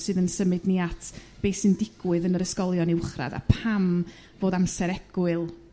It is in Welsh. sydd yn symud ni at beth sy'n digwydd yn yr ysgolion uwchradd a pam fod amser egwyl